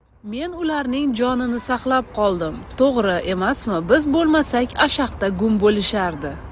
men ularning jonini saqlab qoldim to'g'ri emasmi biz bo'lmasak ashaqda gum bo'lishardi